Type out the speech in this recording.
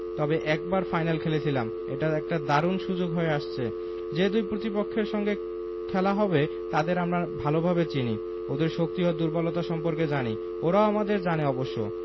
তবে একবার ফাইনাল খেলেছিলাম এটা একটা দারুণ সুযোগ হয়ে আসছে যে দুই প্রতিপক্ষের সঙ্গে খেলা হবে তাদের আমরা ভালোভাবে চিনি ওদের শক্তি ও দুর্বলতা সম্পর্কে জানি ওরাও আমাদের জানে অবশ্য